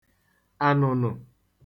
anụ̀nụ̀